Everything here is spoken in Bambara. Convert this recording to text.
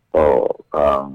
Ɔ ka